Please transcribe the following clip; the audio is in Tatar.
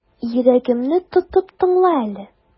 Йөрәгемне тотып тыңла әле.